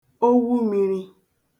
owu miri